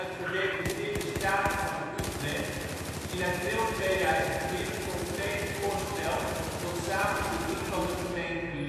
Gedeputeerde Staten van Utrecht in april 2004 een concreet voorstel tot samenvoeging van de gemeenten